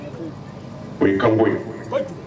O ye kango ye